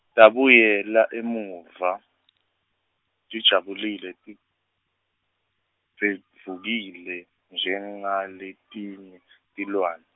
tabuyela emuva, tijabule tibhedvukile njengaletinye tilwane.